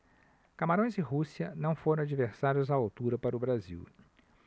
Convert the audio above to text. camarões e rússia não foram adversários à altura para o brasil